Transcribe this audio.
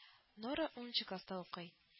Нора унынчы класста укый